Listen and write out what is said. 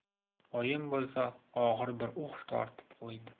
oyim bo'lsa og'ir bir uh tortib qo'ydi